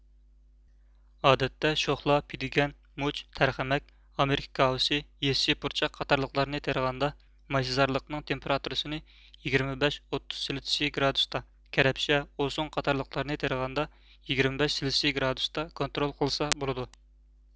ئادەتتە شوخلا پېدىگەن مۇچ تەرخەمەك ئامېرىكا كاۋىسى يېسسى پۇرچاق قاتارلىقلارنى تېرىغاندا مايسىزارلىقنىڭ تېمپېراتۇرىسىنى يىگىرمە بەش ئوتتۇز سېلتسي گرادۇستا كەرەپشە ئوسۇڭ قاتارلىقلارنى تېرىغاندا يىگىرمە بەش سېلىسىي گرادۇستا كونترول قىلسا بولىدۇ